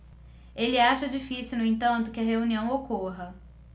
ele acha difícil no entanto que a reunião ocorra